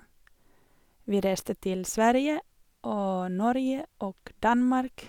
Vi reiste til Sverige og Norge og Danmark.